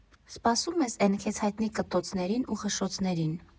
Սպասում ես էն քեզ հայտնի կտոցներին ու խշշոցներին։